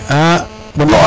a